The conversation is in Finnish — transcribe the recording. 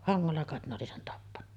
hangolla kai ne oli sen tappanut